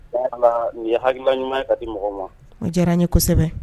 Nin ye halima ɲuman ye ka di mɔgɔ ma o diyara n ye kosɛbɛ